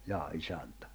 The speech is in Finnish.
jaa isäntä